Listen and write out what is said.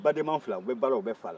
baden ma fila u bɛ bala u bɛ fala